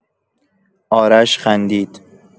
آرش خندید.